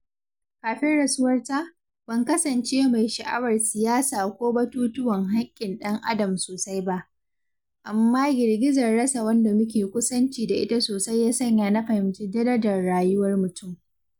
Kafin rasuwarta, ban kasance mai sha’awar siyasa ko batutuwan haƙƙin ɗan Adam sosai ba, amma girgizar rasa wanda muke kusanci da ita sosai ya sanya na fahimci darajar rayuwar mutum.